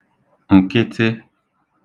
ǹkịtị